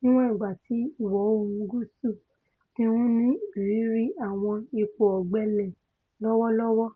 níwọ̀n ìgbà tí Ìwọ̀-oòrùn gúúsù ti ń ní ìrírí àwọn ipò ọ̀gbẹlẹ̀ lọ́wọ́lọ́wọ́.